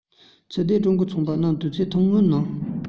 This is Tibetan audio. ཕྱིར སྡོད ཀྲུང གོའི ཚོང པ རྣམས དུས ཚོད ཐུང ངུའི ནང